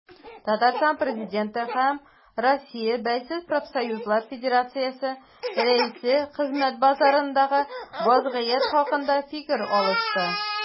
Татарстан Президенты һәм Россия Бәйсез профсоюзлар федерациясе рәисе хезмәт базарындагы вәзгыять хакында фикер алышты.